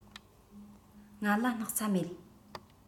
ང ལ སྣག ཚ མེད